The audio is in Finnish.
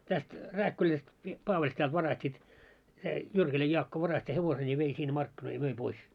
tästä Rääkkylästä - Paavali-sedältä varastettiin se Jyrkilän Jaakko varasti hevosen ja vei sinne markkinoille ja myi pois